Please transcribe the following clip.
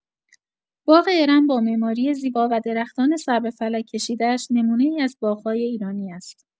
باغ ارم با معماری زیبا و درختان سر به فلک کشیده‌اش، نمونه‌ای از باغ‌های ایرانی است.